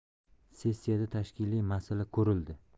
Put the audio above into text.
sessiyada tashkiliy masala ko'rildi